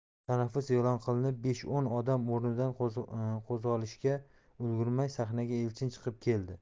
tanaffus e'lon qilinib besh o'n odam o'rnidan qo'zg'olishga ulgurmay sahnaga elchin chiqib keldi